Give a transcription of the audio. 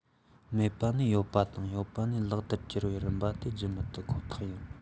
མེད པ ནས ཡོད པ དང ཡོད པ ནས ལེགས དུ གྱུར བའི རིམ པ དེ བརྒྱུད མི ཐུབ ཁོ ཐག ཡིན